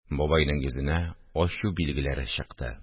Бабайның йөзенә ачу билгеләре чыкты